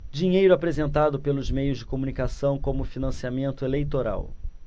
dinheiro apresentado pelos meios de comunicação como financiamento eleitoral